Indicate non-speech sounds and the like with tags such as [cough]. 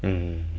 [hesitation] [hesitation]